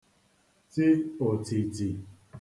ti òtìtì